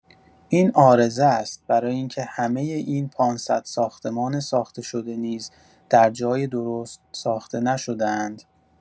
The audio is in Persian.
این عارضه است؛ برای اینکه همه این ۵۰۰ ساختمان ساخته‌شده نیز در جای درست، ساخته نشده‌اند.